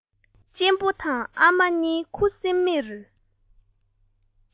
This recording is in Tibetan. གཅེན པོ དང ཨ མ གཉིས ཁུ སིམ མེར